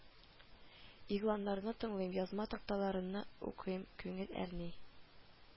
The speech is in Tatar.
Игъланнарны тыңлыйм, язма тактакталарыңны укыйм күңел әрни